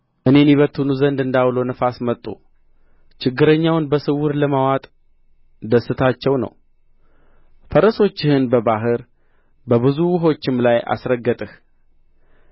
እኔን ይበትኑ ዘንድ እንደ ዐውሎ ነፋስ መጡ ችግረኛውን በስውር ለመዋጥ ደስታቸው ነው ፈረሶችህን በባሕር በብዙ ውኆችም ላይ አስረገጥህ